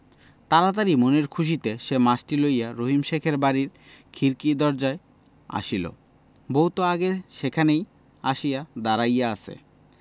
তাড়াতাড়ি মনের খুশীতে সে মাছটি লইয়া রহিম শেখের বাড়ির খিড়কি দরজায় আসিল বউ তো আগেই সেখানে আসিয়া দাঁড়াইয়া আছে